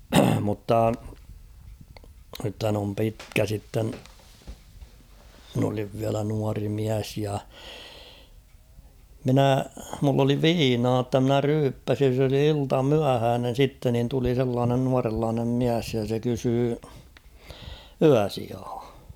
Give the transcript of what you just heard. mutta nythän on pitkä sitten minä olin vielä nuori mies ja minä minulla oli viinaa jotta minä ryyppäsin se oli iltamyöhäinen sitten niin tuli sellainen nuorenlainen mies ja se kysyi yösijaa